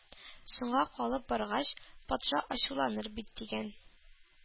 Соңга калып баргач, патша ачуланыр бит! — дигән.